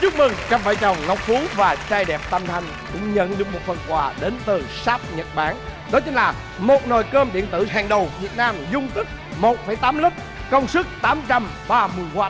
chúc mừng cặp vợ chồng ngọc phú và trai đẹp tân thanh cũng nhận được một phần quà đến từ sáp nhật bản đó chính là một nồi cơm điện tử hàng đầu việt nam dung tích một phẩy tám lít công suất tám trăm ba mươi oắt